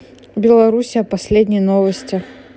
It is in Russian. белоруссия последние новости